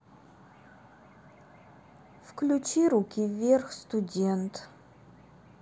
включи руки вверх студент